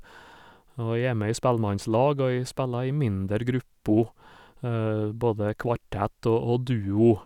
Og jeg er med i spellemannslag, og jeg speller i mindre grupper, både kvartett og og duo.